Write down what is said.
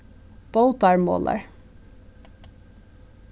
bótarmolar